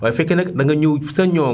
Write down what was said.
waaye bu fekkee nag da nga ñëw sa ñoom